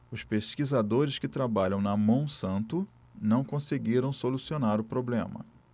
os pesquisadores que trabalham na monsanto não conseguiram solucionar o problema